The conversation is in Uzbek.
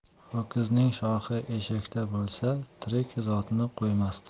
ho'kizning shoxi eshakda bo'lsa tirik zotni qo'ymasdi